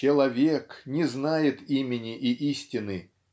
человек не знает имени и истины